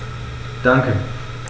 Danke.